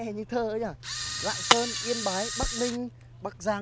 nghe như thơ ấy nhở lạng sơn yên bái bắc ninh bắc giang